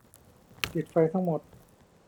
ปิดไฟทั้งหมด